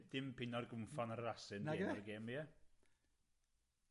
Dim pino'r gwnffon ar yr asyn... Nage? ...'di enw'r gem ie?